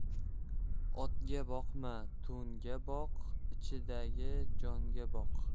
otga boqma to'nga boq ichidagi jonga boq